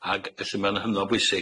Ag felly mae o'n hynod bwysig